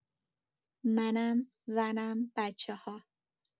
منم، زنم، بچه‌ها.